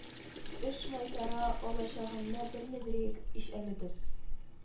Эш майтара алачагыңны белмидериек ич әле без